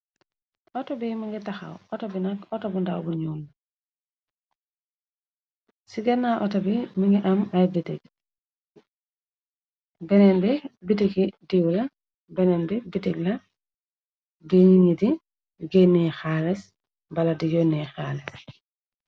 Auto bi mi ngi taxaw auto bi nak auto bu ndaw bu ñuul la ci ganaw auto bi mugii am ay bitik, benen bi bitiki diw la, benen bi bitik la buy nit yi di gennè xalis wala yonnè xalis.